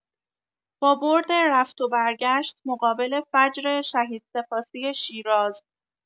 با برد رفت و برگشت مقابل فجر شهید سپاسی شیراز